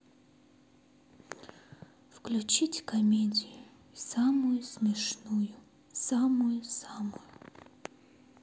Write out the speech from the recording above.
включить комедию самую смешную самую самую